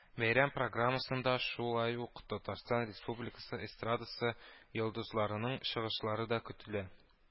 Бәйрәм программасында шулай ук Татарстан Республикасы эстрадасы йолдызларының чыгышлары да көтелә